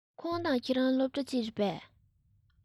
ཁོང དང ཁྱོད རང སློབ གྲྭ གཅིག རེད པས